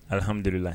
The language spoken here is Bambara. Alihamidulila